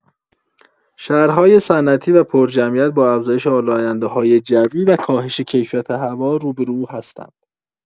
شهرهای صنعتی و پرجمعیت با افزایش آلاینده‌های جوی و کاهش کیفیت هوا روبرو هستند.